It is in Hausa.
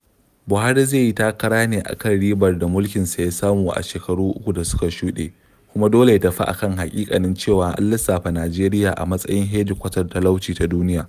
Buhari zai yi takara ne a kan ribar da mulkinsa ya samu a shekaru uku da suka shuɗe kuma dole ya tafi a kan haƙiƙanin cewa an lissafa Najeriya a matsayin hedikwatar talauci ta duniya.